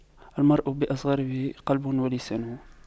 المرء بأصغريه قلبه ولسانه